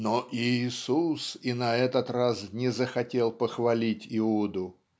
но Иисус и на этот раз не захотел похвалить Иуду",